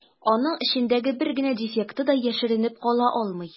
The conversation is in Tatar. Аның эчендәге бер генә дефекты да яшеренеп кала алмый.